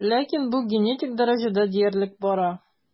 Ләкин бу генетик дәрәҗәдә диярлек бара.